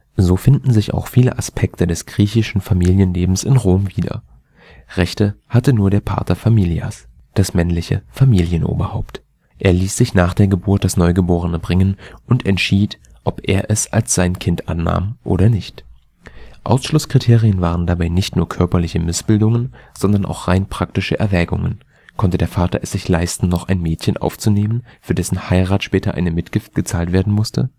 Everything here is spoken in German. So finden sich auch viele Aspekte des griechischen Familienlebens in Rom wieder. Rechte hatte nur der pater familias, das männliche Familienoberhaupt. Er ließ sich nach der Geburt das Neugeborene bringen und entschied, ob er es als sein Kind annahm oder nicht. Ausschlusskriterien waren dabei nicht nur körperliche Missbildungen, sondern auch rein praktische Erwägungen: Konnte der Vater es sich leisten, noch ein Mädchen aufzunehmen, für dessen Heirat später eine Mitgift gezahlt werden musste